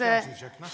fjernsynskjøkkenet.